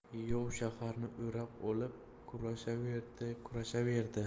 yov shaharni o'rab olib kutaveribdi kutaveribdi